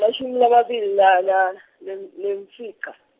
mashumi lamabili la la, nem- nemfica.